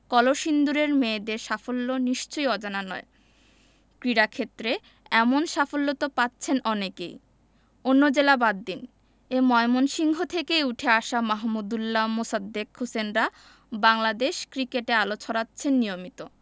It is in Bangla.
কলসিন্দুরের মেয়েদের সাফল্য নিশ্চয়ই অজানা নয় ক্রীড়াক্ষেত্রে এমন সাফল্য তো পাচ্ছেন অনেকেই অন্য জেলা বাদ দিন এ ময়মনসিংহ থেকেই উঠে আসা মাহমুদউল্লাহমোসাদ্দেক হোসেনরা বাংলাদেশ ক্রিকেটে আলো ছড়াচ্ছেন নিয়মিত